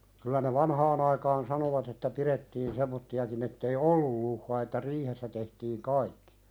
kyllä ne vanhaan aikaan sanoivat että pidettiin semmoisiakin että ei ollut luhtaa että riihessä tehtiin kaikki